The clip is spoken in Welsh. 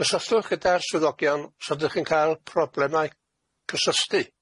Cysylltwch gyda'r swyddogion os ydych chi'n cael problemau cysylltu.